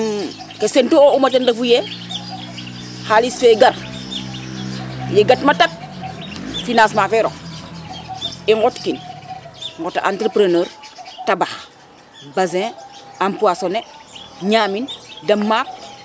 yam ke sentu uma teen ref u ye xalis fe gar ye gat ma tak financement fe rok i ŋot kin ŋota entrepreuneur tabax basin empoissoner ñamin de maak